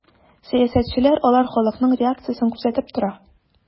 Сәясәтчеләр алар халыкның реакциясен күзәтеп тора.